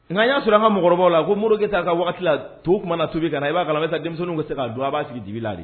Nka an y'a sɔrɔ a ka mɔgɔkɔrɔbaw la ko Modibo Kayita ka waati to tum mana na, tubi kana ka na, i b'a kalama denmisɛnnin ka se k'a dun a b'a sigi dibi la den!